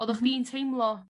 oddoch ni'n teimlo